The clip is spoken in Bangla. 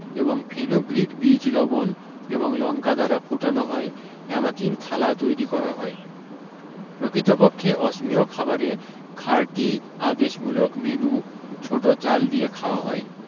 এবং ফেনুগ্রীক বীজ লবন এবং লংকা দ্বারা ফোটানো হয় অ্যামাকিং থালা তৈরী করা হয় প্রাকৃত পক্ষে অসমিয় খাবারে খারটি আদেশমূলক মেনু ছোট চাল দিয়ে খাওয়া হয়